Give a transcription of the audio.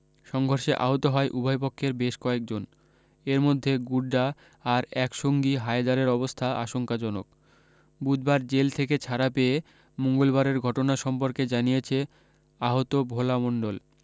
সংঘর্ঘে আহত হয় উভয়পক্ষের বেশ কয়েকজন এর মধ্যে গুড্ডা আর এক সঙ্গী হায়দরের অবস্থা আশঙ্কাজনক বুধবার জেল থেকে ছাড়া পেয়ে মঙ্গলবারের ঘটনা সম্পর্কে জানিয়েছে আহত ভোলা মন্ডল